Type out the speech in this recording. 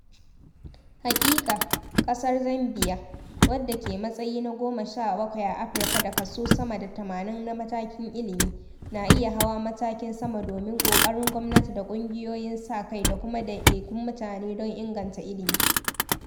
Haƙiƙa, ƙasar Zambia, wadda ke matsayi na 17 a Afirka da kaso sama da 80 na matakin ilimi, na iya hawa matakin sama domin ƙoƙarin gwamnati da ƙungiyoyin sa-kai da kuma ɗaiɗaikun mutune don inganta ilimi.